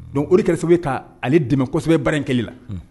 Don o kɛrɛfɛ sababu ka ale dɛmɛsɛbɛba in kelen la